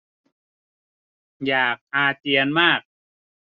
อยากอาเจียนมาก